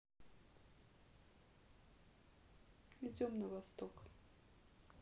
идем на восток